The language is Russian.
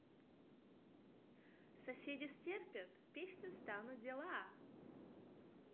соседи стерпят песня стану дела